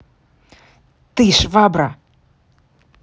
ты швабра